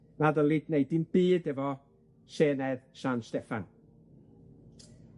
Na ddylid neud dim byd efo Senedd San Steffan.